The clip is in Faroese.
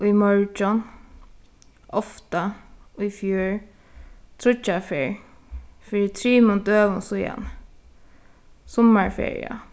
í morgin ofta í fjør tríggjar ferð fyri trimum døgum síðani summarferia